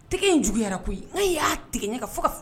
Tɛgɛ in juguyara koyi k'an y'a tigɛ ɲɛ ka fo ka